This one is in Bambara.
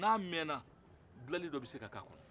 n'a mɛna dilanni dɔ bɛ se ka k'a kɔnɔ